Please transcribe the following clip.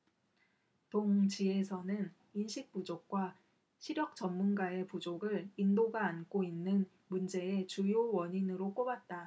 동 지에서는 인식 부족과 시력 전문가의 부족을 인도가 안고 있는 문제의 주요 원인으로 꼽았다